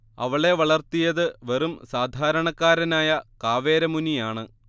അവളെ വളർത്തിയത് വെറും സാധാരണക്കാരനായ കാവേര മുനിയാണ്